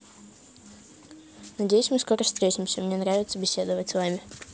надеюсь мы скоро встретимся мне нравится беседовать с вами